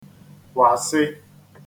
-kwàsị